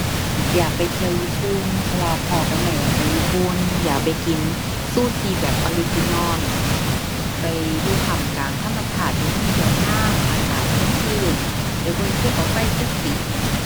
อยากไปเที่ยวญี่ปุ่น เพราะว่าพ่อกับแม่อยากไปญี่ปุ่น อยากไปกินซูชิแบบออริจินัล ไปอยู่ท่ามกลางธรรมชาติที่มันสวยงาม อากาศสดชื่น ไปเบิ่งภูเขาไฟฟูจิ